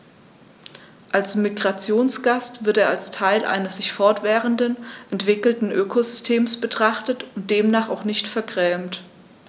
Als Migrationsgast wird er als Teil eines sich fortwährend entwickelnden Ökosystems betrachtet und demnach auch nicht vergrämt.